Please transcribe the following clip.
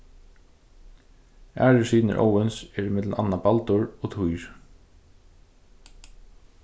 aðrir synir óðins eru millum annað baldur og týr